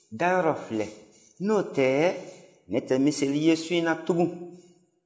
dayɔrɔ filɛ n'o tɛ ne tɛ misɛli ye su in na tugun